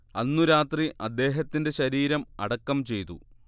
അന്നു രാത്രി അദ്ദേഹത്തിന്റെ ശരീരം അടക്കം ചെയ്തു